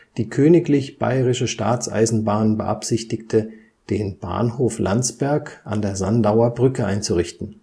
Die Königlich Bayerische Staatseisenbahnen beabsichtigte, den Bahnhof Landsberg an der Sandauer Brücke einzurichten